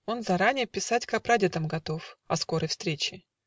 он заране Писать ко прадедам готов О скорой встрече